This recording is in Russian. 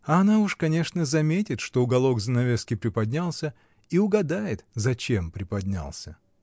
А она, уж конечно, заметит, что уголок занавески приподнялся, и угадает, зачем приподнялся.